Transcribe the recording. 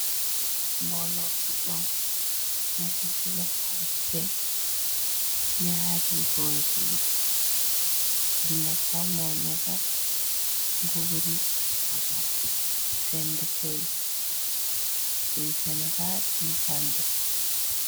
Mboolobi joŋ nekk fiyako cikeet ñaar yi goor yi nekka moo neka ngu buri sendkay bi senegal bi kambe.